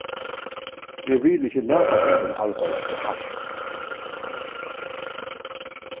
eg vil ikki lata tykkum arbeiða so hart